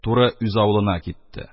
Туры үз авылына китте.